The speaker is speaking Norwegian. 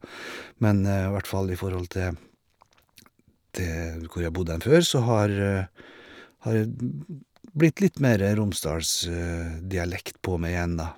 Men hvert fall i forhold til til hvor jeg bodde hen før, så har har det bm bm blitt litt mere Romsdalsdialekt på meg igjen, da.